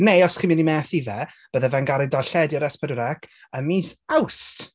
Neu, os chi'n mynd i methu fe, bydde fe'n gael ei darlledu ar S4C yn mis Awst!